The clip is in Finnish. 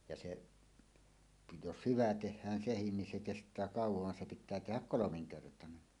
ja se jos hyvä tehdään se niin se kestää kauan vaan se pitää tehdä kolminkertainen